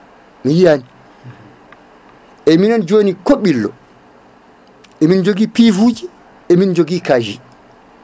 mi yiyani eyyi minen joni Kobɓillo emin jogui pive uji emin jogui casier